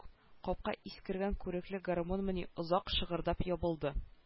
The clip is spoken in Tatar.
Капка искергән күрекле гармунмыни озак шыгырдап ябылды